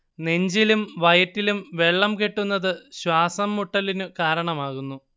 നെഞ്ചിലും വയറ്റിലും വെള്ളം കെട്ടുന്നത് ശ്വാസം മുട്ടലിനു കാരണമാകുന്നു